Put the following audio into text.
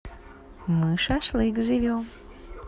мы шашлык живем